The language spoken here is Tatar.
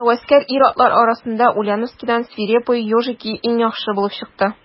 Һәвәскәр ир-атлар арасында Ульяновскидан «Свирепые ежики» иң яхшы булып чыкты.